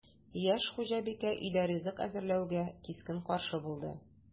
Яшь хуҗабикә өйдә ризык әзерләүгә кискен каршы булды: